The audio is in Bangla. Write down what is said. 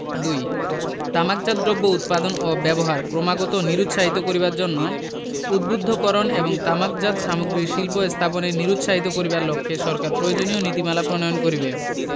২ তামাকজাত দ্রব্য উৎপাদন ও ব্যবহার ক্রমাগত নিরুৎসাহিত করিবার জন্য উদ্বুদ্ধকরণ এবং তামাকজাত সামগ্রীর শিল্প স্থাপনে নিরুৎসাহিত করিবার লক্ষ্যে সরকার প্রয়োজনীয় নীতিমালা প্রণয়ন করিবে